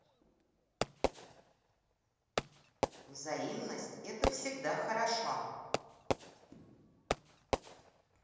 взаимность это всегда хорошо